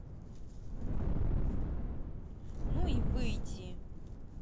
ну выйти